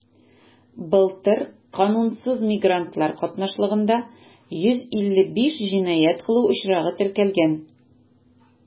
Былтыр канунсыз мигрантлар катнашлыгында 155 җинаять кылу очрагы теркәлгән.